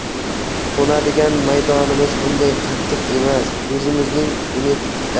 qo'nadigan maydonimiz bunday qattiq emas o'zimizning